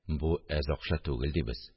Бу әз акча түгел, – дибез